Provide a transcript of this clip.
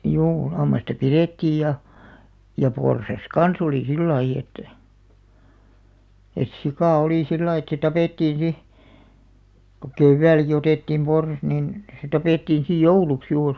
juu lammasta pidettiin ja ja porsas kanssa oli sillä lailla että että sika oli sillä lailla että se tapettiin sitten kun keväälläkin otettiin porsas niin se tapettiin sitten jouluksi juuri